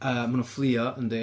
Yy, maen nhw'n fflio yndi.